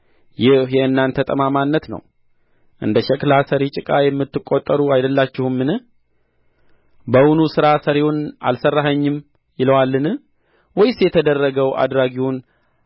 ይህ የእናንተ ጠማምነት ነው እንደ ሸክላ ሠሪ ጭቃ የምትቈጠሩ አይደላችሁምን በውኑ ሥራ ሠሪውን አልሠራኸኝም ይለዋልን ወይስ የተደረገው አድራጊውን